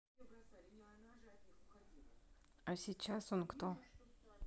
а сейчас он кто